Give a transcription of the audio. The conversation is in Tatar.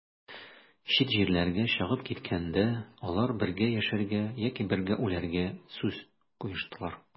Чит җирләргә чыгып киткәндә, алар бергә яшәргә яки бергә үләргә сүз куештылар.